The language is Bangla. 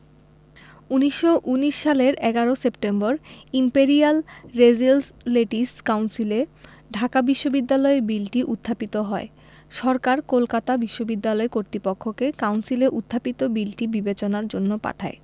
১৯১৯ সালের ১১ সেপ্টেম্বর ইম্পেরিয়াল রেজিসলেটিভ কাউন্সিলে ঢাকা বিশ্ববিদ্যালয় বিলটি উত্থাপিত হয় সরকার কলকাতা বিশ্ববিদ্যালয় কর্তৃপক্ষকে কাউন্সিলে উত্থাপিত বিলটি বিবেচনার জন্য পাঠায়